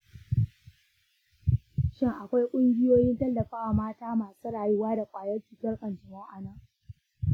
shin akwai ƙungiyoyin tallafawa mata masu rayuwa da ƙwayar cutar kanjamau a nan?